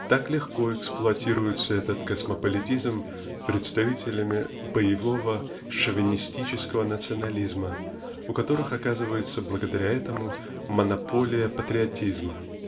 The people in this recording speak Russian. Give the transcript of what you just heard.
так легко эксплуатируется этот космополитизм представителями боевого шовинистического национализма у которых оказывается благодаря этому монополия патриотизма.